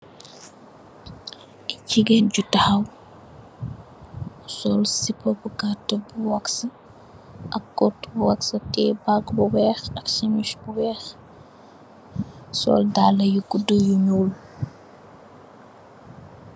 Gigain ju takhaw sol sipah bu gatue bu wax, ak kotu wax tiyeh bag bu wekh ak chemise bu wekh, sol daalue yu gudu yu njull.